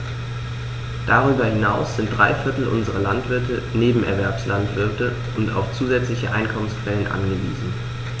Darüber hinaus sind drei Viertel unserer Landwirte Nebenerwerbslandwirte und auf zusätzliche Einkommensquellen angewiesen.